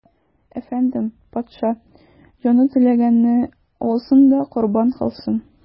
Әфәндем, патша, җаны теләгәнне алсын да корбан кылсын.